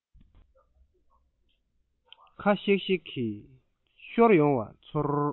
ཁ ཤིག ཤིག གིས ཤོར ཡོང བ ཚོར